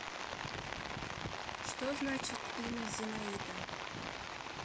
что значит имя зинаида